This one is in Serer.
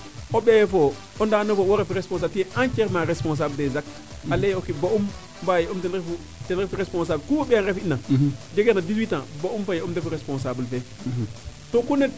o ɓeefoo o ndanofo wo ref responsable fe tu es entierement responsable des actes a leye ke ba'um baayi um ten refu responsable kuu o ɓeenge ref ina jegeer na 18 ans ba um fa ya um ndefu responsable fee to kuu